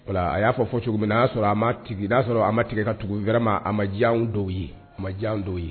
O laa a y'a fɔ fɔcogo min n'a y'a sɔrɔ a ma tigi n'a sɔrɔ a ma tigɛ ka tugu vraiment a ma diy'anw dɔw ye a ma diy'anw dɔw ye